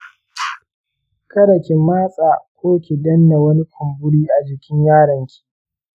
kada ki matsa ko ki danna wani kumburi a jikin yaron ki.